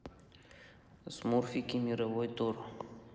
смурфики мировой тур